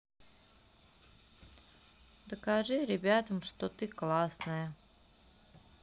докажи ребятам что ты классная